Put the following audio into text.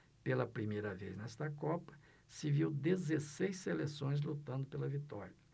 pela primeira vez nesta copa se viu dezesseis seleções lutando pela vitória